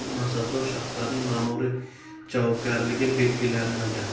mansabdor shaxslarning ma'muriy javobgarligi belgilanmagan